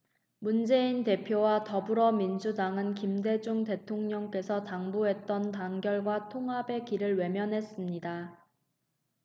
문재인 대표와 더불어민주당은 김대중 대통령께서 당부했던 단결과 통합의 길을 외면했습니다